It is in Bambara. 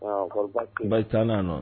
Kɔrɔ bɛ taa nɔ